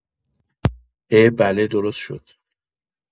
عه بله درست شد